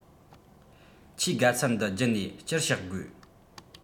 ཁྱིའི དགའ ཚལ འདི རྒྱུད ནས དཀྱིལ བཤགས དགོས